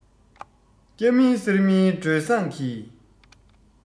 སྐྱ མིན སེར མིན སྒྲོལ བཟང གིས